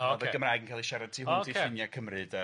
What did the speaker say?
O'dd y Gymraeg yn ca'l 'i siarad tu hwnt i ffiniau Cymru 'de.